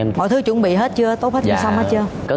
mọi thứ chuẩn bị hết chưa tốt hết xong hết chưa